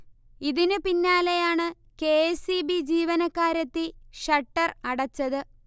ഇതിന് പിന്നാലെയാണ് K. S. E. B. ജീവനക്കാരെത്തി ഷട്ടർ അടച്ചത്